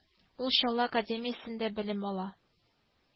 Чыннан да, шулай булып чыкты.